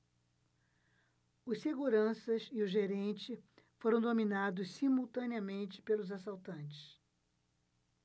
os seguranças e o gerente foram dominados simultaneamente pelos assaltantes